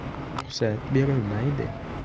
ruxsat berilmaydi